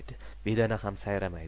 bedana ham sayramaydi